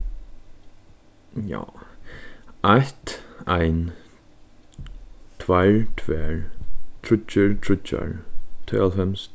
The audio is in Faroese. ja eitt ein tveir tvær tríggir tríggjar tveyoghálvfems